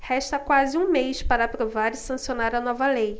resta quase um mês para aprovar e sancionar a nova lei